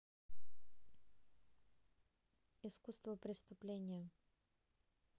искусство преступления